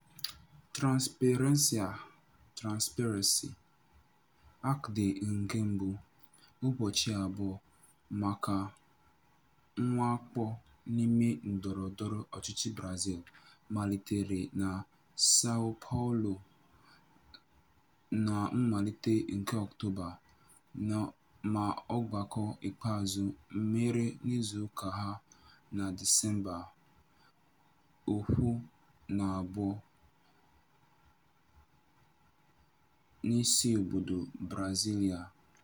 Transparência [Transparency] Hackday nke mbụ, "ụbọchị abụọ maka mwakpo n'ime ndọrọndọrọ ọchịchị Brazil", malitere na São Paulo na mmalite nke Ọktoba, ma ọgbakọ ikpeazụ mere n'izuụka a, na Disemba 1 na 2, n'isiobodo Brasília [pt. ].